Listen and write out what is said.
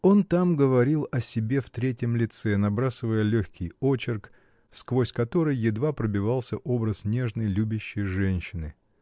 Он там говорил о себе в третьем лице, набрасывая легкий очерк, сквозь который едва пробивался образ нежной, любящей женщины.